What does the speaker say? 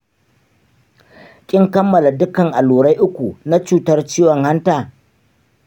kin kammala dukkan allurai uku na cutar ciwon hanta?